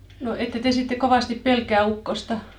no ette te sitten kovasti pelkää ukkosta